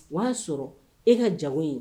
O y'a sɔrɔ e ka jamu ye